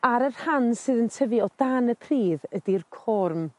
ar y rhan sydd yn tyfu o dan y pridd ydi'r corm.